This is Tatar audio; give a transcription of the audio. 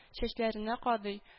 Чәчләренә кадый